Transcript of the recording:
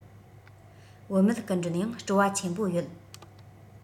བུད མེད སྐུ མགྲོན ཡང སྤྲོ བ ཆེན པོ ཡོད